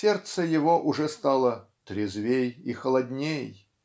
Сердце его уже стало "трезвей и холодней"